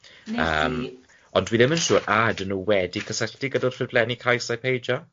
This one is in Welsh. Yym, ond dwi ddim yn siŵr a ydyn nhw wedi cysylltu gyda'r ffurflenni cais a'i peidio.